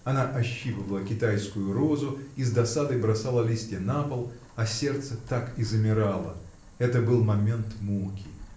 Она ощипывала китайскую розу и с досадой бросала листья на пол а сердце так и замирало это был момент муки.